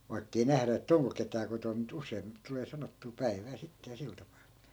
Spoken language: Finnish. vaikka ei nähdä että onko ketään kotona mutta usein tulee sanottua päivää sitten ja sillä tapaa